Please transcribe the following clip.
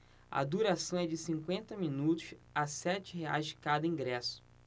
a duração é de cinquenta minutos a sete reais cada ingresso